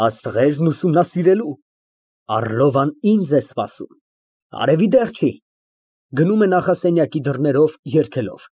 Աստղերն ուսումնասիրելու։ Առլովան ինձ սպասում է։ (Գնում է նախասենյակի դռներով, երգելով)։